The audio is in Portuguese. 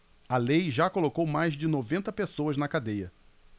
a lei já colocou mais de noventa pessoas na cadeia